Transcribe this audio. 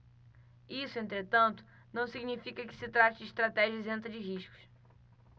isso entretanto não significa que se trate de estratégia isenta de riscos